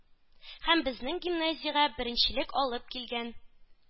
Һәм безнең гимназиягә беренчелек алып килгән